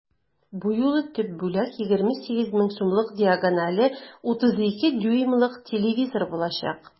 Бу юлы төп бүләк 28 мең сумлык диагонале 32 дюймлык телевизор булачак.